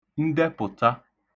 ndẹpụ̀ta